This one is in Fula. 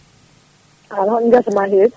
an hooto guesama heedi